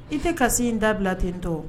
I tɛ kasi in dabila ten tɔ